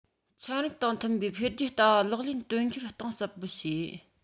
ཚན རིག དང མཐུན པའི འཕེལ རྒྱས ལྟ བ ལག ལེན དོན འཁྱོལ གཏིང ཟབ པོ བྱས